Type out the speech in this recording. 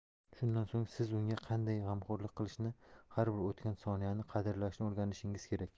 shundan so'ng siz unga qanday g'amxo'rlik qilishni har bir o'tgan soniyani qadrlashni o'rganishingiz kerak